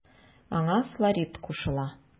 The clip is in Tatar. Аңа Флорид кушыла.